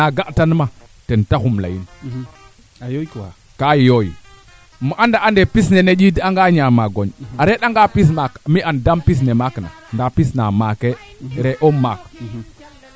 um xoox u to jegiim ɓasi a waaga reefe o qoles kaa foofi may'u ɓas'es a fot mbaate refe kam duuf u waxtuna ando naye yaa ɓasi foor ka ɓasi esa gaay